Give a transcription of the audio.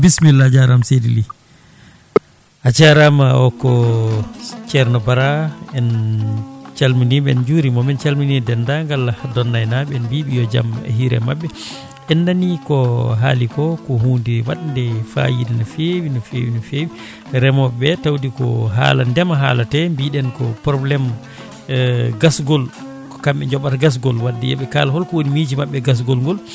bisimilla a jarama seydi Ly a jarama o ko ceerno Bara en calminiɓe en jurimomo min calmini dendagal Donnay naaɓe en mbiɓe yo jaam hiire mabɓe en nani haaliko ko hunde wande fayida no feewi no fewi no fewi remoɓe tawde ko haala ndeema haalate mbiɗen ko probléme gasgol ko kamɓe jooɓata gasgol wadde yooɓe kaal holko woni miijo mabɓe e gasgol ngol